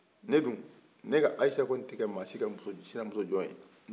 ne dun ne ka ayisa kɔni tɛgɛ maasi ka sinamuso jɔn ye